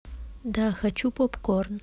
да хочу попкорн